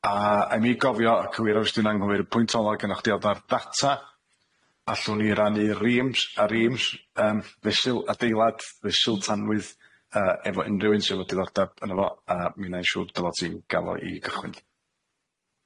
A a i mi gofio, cywiro os dwi'n anghywir y pwynt ola' gynnoch chdi o'dd ar data, allwn ni rannu reams a reams yym fesul adeilad, fesul tanwydd yy efo unryw un sy efo diddordab yno fo a mi 'nai'n siŵr dy fot ti'n ga'l o i gychwyn.